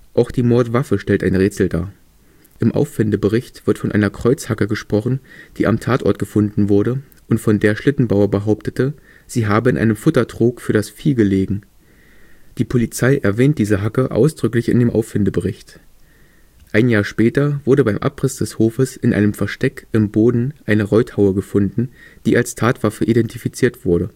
Auch die Mordwaffe stellt ein Rätsel dar. Im Auffindebericht wird von einer Kreuzhacke gesprochen, die am Tatort gefunden wurde und von der Schlittenbauer behauptete, sie habe in einem Futtertrog für das Vieh gelegen. Die Polizei erwähnt diese Hacke ausdrücklich in dem Auffindebericht. Ein Jahr später wurde beim Abriss des Hofes in einem Versteck im Boden eine Reuthaue gefunden, die als Tatwaffe identifiziert wurde